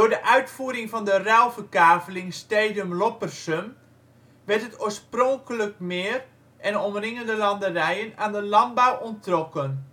de uitvoering van de ruilverkaveling ´Stedum-Loppersum´ werd het oorspronkelijk meer en omringende landerijen aan de landbouw onttrokken